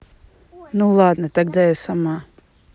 ну ладно тогда я сама